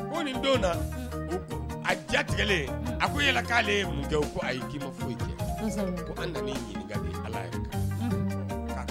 Ko nin don a jatigɛlen a ko yala k'ale ye ko a ye' ma foyika ala ye